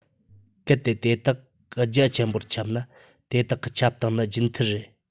གལ ཏེ དེ དག རྒྱ ཆེན པོར ཁྱབ ན དེ དག གི ཁྱབ སྟངས ནི རྒྱུན མཐུད རེད